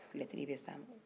lettre bɛ s'a ma